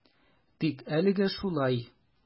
Тик әлегә шулай.